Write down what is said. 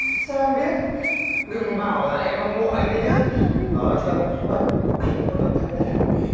sao em biết đừng bảo là em hâm mộ anh đấy nhá nói cho em một bí mật anh vẫn còn độc thân đấy